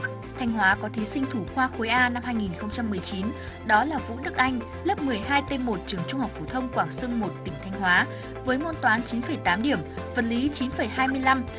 thanh hóa có thí sinh thủ khoa khối a năm hai nghìn không trăm mười chín đó là vũ đức anh lớp mười hai tê một trường trung học phổ thông quảng xương một tỉnh thanh hóa với môn toán chín phẩy tám điểm vật lý chín phẩy hai mươi lăm